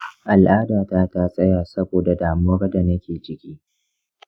al’adata ta tsaya saboda damuwar da nake ciki.